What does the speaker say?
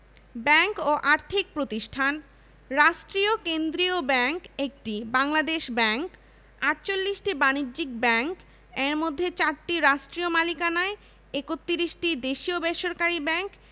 দেশের বাইরে থেকে ভূ পৃষ্ঠস্থ জলপ্রবাহ অনুপ্রবেশের পরিমাণ বৎসরের বিভিন্ন সময়ে বিভিন্ন হয়ে থাকে সারা বৎসরের সর্বোচ্চ প্রবাহ থাকে